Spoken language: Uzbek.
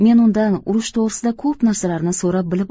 men undan urush to'g'risida ko'p narsalarni so'rab bilib